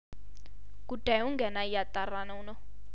ጉዳዩን ገና እያጣራ ነው ነው